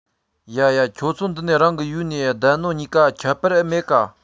ཡ ཡ ཁྱོད ཚོ འདི ནས རང གི ཡུའུ ནས བསྡད ནོ གཉིས ཀ ཁྱད པར མེད གི